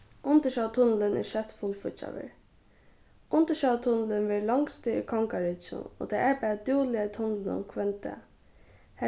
undirsjóvartunnilin er skjótt fullfíggjaður undirsjóvartunnilin verður longstur í kongaríkinum og tey arbeiða dúgliga í tunlinum hvønn dag